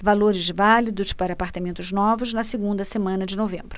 valores válidos para apartamentos novos na segunda semana de novembro